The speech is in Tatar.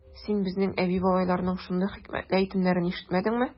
Син безнең әби-бабайларның шундый хикмәтле әйтемнәрен ишетмәдеңме?